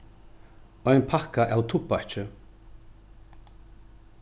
ein pakka av tubbaki